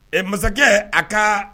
Ɛ masakɛ a ka